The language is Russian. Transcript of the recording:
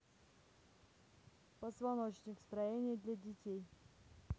позвоночник строение для детей